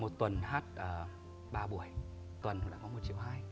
một tuần hát à ba buổi tuần hùng đã có một triệu hai